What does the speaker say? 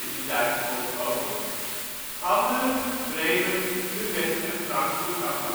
de Duitse Bond over: Hamburg, Bremen, Lübeck en Frankfurt am